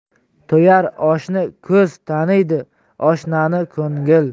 to'yar oshni ko'z taniydi oshnani ko'ngil